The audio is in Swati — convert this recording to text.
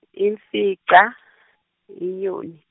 imfica , iNyoni.